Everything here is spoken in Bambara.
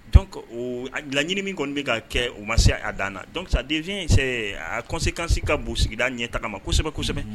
Laɲini min kɔni bɛ ka kɛ o ma se a dan na dɔnsa den in a kɔnse kanse ka bon sigida ɲɛ taga ma kosɛbɛ kosɛbɛ